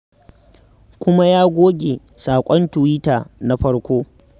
Kuma ya goge saƙon tuwita na farko.